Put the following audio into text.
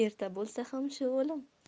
erta bo'lsa ham shu o'lim